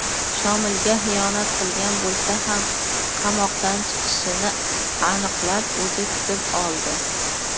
shomilga xiyonat qilgan bo'lsa ham qamoqdan chiqishini aniqlab o'zi kutib oldi